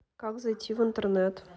как зайти в интернет